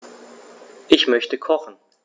Ich möchte kochen.